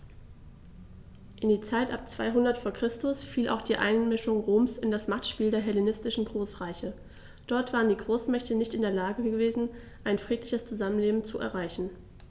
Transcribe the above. In die Zeit ab 200 v. Chr. fiel auch die Einmischung Roms in das Machtspiel der hellenistischen Großreiche: Dort waren die Großmächte nicht in der Lage gewesen, ein friedliches Zusammenleben zu erreichen.